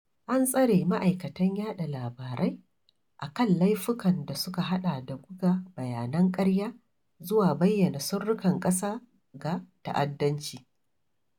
An tsare ma'aikatan yaɗa labarai a kan laifukan da suka haɗa da buga "bayanan ƙarya" zuwa bayyana sirrukan ƙasa ga ta'addanci.